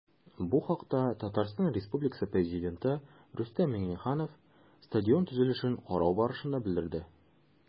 Бу хакта ТР Пррезиденты Рөстәм Миңнеханов стадион төзелешен карау барышында белдерде.